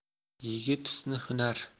yigit husni hunar